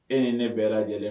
E ni ne bɛɛ lajɛlen